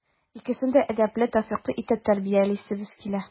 Икесен дә әдәпле, тәүфыйклы итеп тәрбиялисебез килә.